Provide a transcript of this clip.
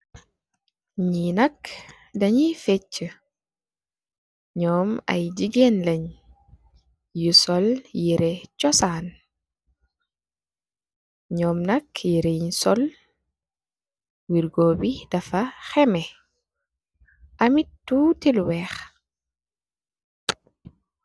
Gii nak daññi fecci , ñom ay gigeen laj yu sol yirèh chosaan , ñom nak yirèh yun sol wirgo bi dafa xemeh amit tutti lu wèèx.